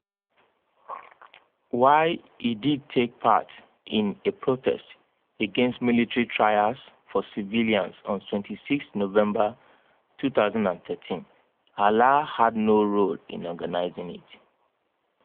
While he did take part in a protest against military trials for civilians on 26 November 2013, Alaa had no role in organising it.